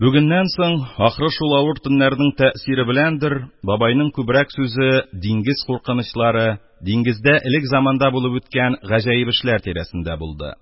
Бүгеннән соң, ахры, шул авыр төннең тәэсире беләндер, бабайның күбрәк сүзе диңгез куркынычлары, диңгездә элек заманда булып үткән гаҗәеп эшләр тирәсендә булды.